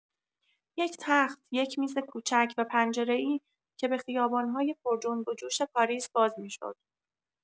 یک تخت، یک میز کوچک، و پنجره‌ای که به خیابان‌های پر جنب و جوش پاریس باز می‌شد.